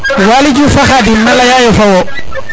Waly Diouf o fo Khadim na leya yo fo wo